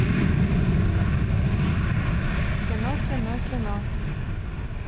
кино кино кино